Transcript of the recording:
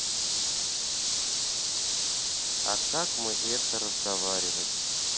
а как мы это разговаривать